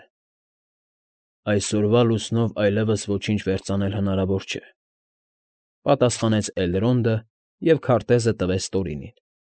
Է։ ֊ Այսօրվա լուսնով այլևս ոչինչ վերլուծել հնարավոր չէ,֊ պատասխանեց Էլրոնդը և քարտեզը տվեց Տորինին։